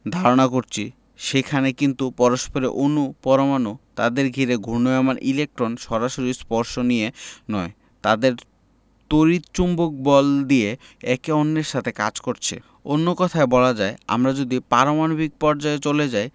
ধারণা করছি সেখানে কিন্তু পরস্পরের অণু পরমাণু তাদের ঘিরে ঘূর্ণায়মান ইলেকট্রন সরাসরি স্পর্শ দিয়ে নয় তাদের তড়িৎ চৌম্বক বল দিয়ে একে অন্যের সাথে কাজ করছে অন্য কথায় বলা যায় আমরা যদি পারমাণবিক পর্যায়ে চলে যাই